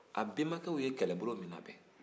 a bɛnbakɛ ye kɛlɛbolo min labɛn